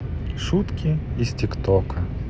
шутки из тик тока